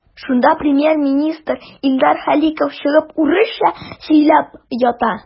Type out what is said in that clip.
Шунда премьер-министр Илдар Халиков чыгып урысча сөйләп ята.